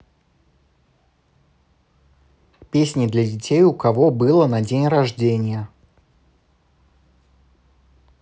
песни для детей у кого было на день рождения